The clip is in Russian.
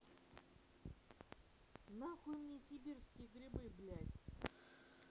нахуй мне сибирские грибы блядь